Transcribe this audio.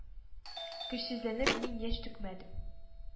Көчсезләнеп, мин яшь түкмәдем.